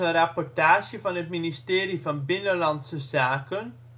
rapportage van het Ministerie van Binnenlandse Zaken